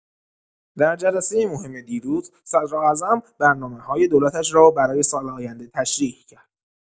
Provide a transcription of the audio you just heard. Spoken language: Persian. در جلسه مهم دیروز، صدراعظم برنامه‌‌های دولتش را برای سال آینده تشریح کرد.